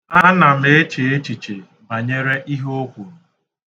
Ana m eche echiche banyere ihe o kwurụ